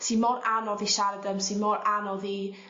sy mor anodd i siarad am sy mor anodd i